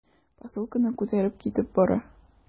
Посылканы күтәреп китеп бара.